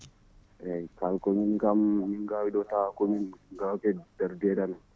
eyyi tawko min kam min gaawi ɗo temps koye ndungngu *